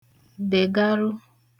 dègarụ